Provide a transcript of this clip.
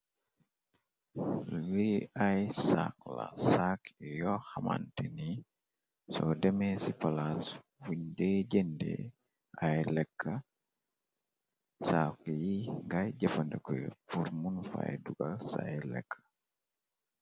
Lii ay saak la saak y yo xamante ni soo demee ci palaas wuñ dee jënde ay lekk saak yi ngay jëffandeko pur mun fay dugal ca ay lekk.